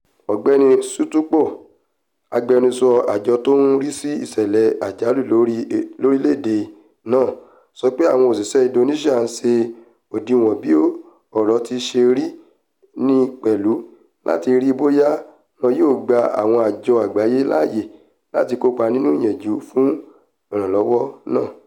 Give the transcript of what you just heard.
Ọ̀gbẹ́ni Sutopo, agbẹnusọ àjọ tó ń rísí ìṣẹ́lẹ̀ àjálù lórílẹ̀ èdè náà, sọ pé àwọn òṣìṣẹ́ Indonesia ń ṣe òdiwọ̀n bí ọ̀rọ̀ ti ṣe rí ní Palu láti rii bóyá wọn yóò gba àwọn àjọ àgbáyé láàáyé láti kópa nínú ìyànjú fún ìrànwọ́ náà.